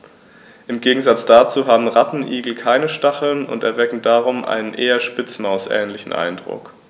Im Gegensatz dazu haben Rattenigel keine Stacheln und erwecken darum einen eher Spitzmaus-ähnlichen Eindruck.